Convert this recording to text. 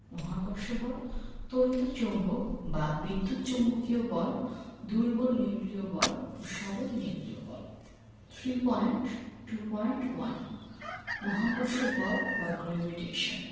মহাকর্ষ বল তড়িৎ চৌম্বক বা বিদ্যুৎ চৌম্বকীয় বল দুর্বল নিউক্লিয় বল ও সবল নিউক্লিয় বল 3.2.1 মহাকর্ষ বল বা গ্রেভিটেশন